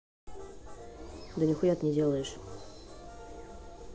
да нихуя ты не делаешь